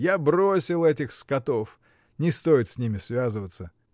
Я бросил этих скотов: не стоит с ними связываться.